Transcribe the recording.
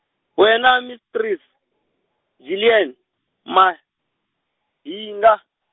wena mistrese , Juliana, Mahinga.